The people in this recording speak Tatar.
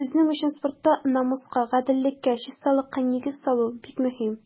Безнең өчен спортта намуска, гаделлеккә, чисталыкка нигез салу бик мөһим.